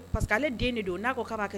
Pa parce que ale den de don n'a kobaa kɛ